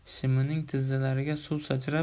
shimining tizzalariga suv sachrab